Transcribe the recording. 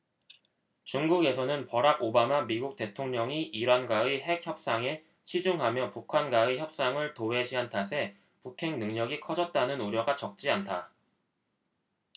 중국에서는 버락 오바마 미국 대통령이 이란과의 핵 협상에 치중하며 북한과의 협상을 도외시한 탓에 북핵 능력이 커졌다는 우려가 적지 않다